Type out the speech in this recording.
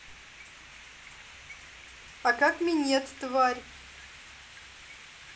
а как минет тварь